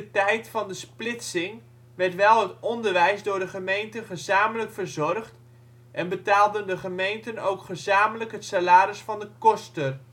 tijd van de splitsing werd wel het onderwijs door de gemeenten gezamenlijk verzorgd en betaalden de gemeenten ook gezamenlijk het salaris van de koster